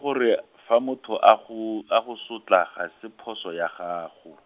gore, fa motho a go, a go sotla, ga se phoso ya gago.